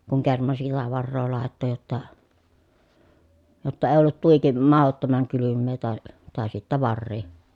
kun kerman sillä varaa laittoi jotta jotta ei ollut tuiki mahdottoman kylmää tai tai sitten varia